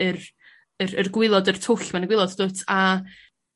...yr yr yr gwilod yr twll ma' yn y gwilod dw't a